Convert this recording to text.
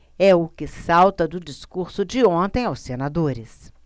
é o que salta do discurso de ontem aos senadores